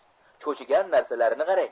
cho'chigan narsalarini karang